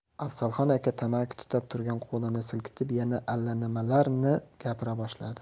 afzalxon aka tamaki tutab turgan qo'lini silkitib yana allanimalarni gapira boshladi